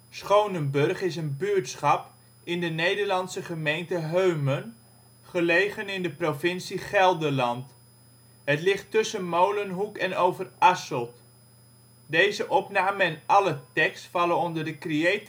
Schonenburg is een buurtschap in de Nederlandse gemeente Heumen, gelegen in de provincie Gelderland. Het ligt tussen Molenhoek en Overasselt. Plaatsen in de gemeente Heumen Dorpen: Heumen · Malden · Molenhoek (gedeelte) · Nederasselt · Overasselt Buurtschappen: Blankenberg · Ewijk · Heide · Molenhoek · De Schatkuil · Schoonenburg · Sleeburg · Valenberg · Vogelzang · Worsum Gelderland: Steden en dorpen in Gelderland Nederland: Provincies · Gemeenten 51° 46 ' NB, 5°